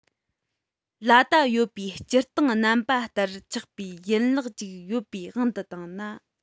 ལ ད ཡོད ཀྱི སྤྱིར བཏང རྣམ པ ལྟར ཆགས པའི ཡན ལག ཅིག ཡོད པའི དབང དུ བཏང ན